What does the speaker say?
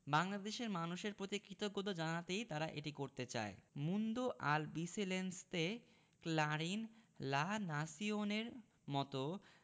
বাংলাদেশের মানুষের প্রতি কৃতজ্ঞতা জানাতেই তারা এটি করতে চায় Mundo Albiceleste Clarin La Nacion র মতো